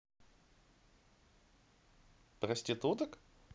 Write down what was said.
проституток